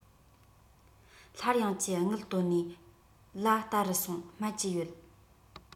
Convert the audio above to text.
སླར ཡང ཀྱི དངུལ བཏོན ནས ལ བལྟ རུ སོང སྨད ཀྱི ཡོད